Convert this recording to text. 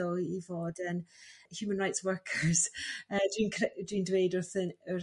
so i fod yn human rights workers yy dwi'n cre- dwi'n dweud wrthyn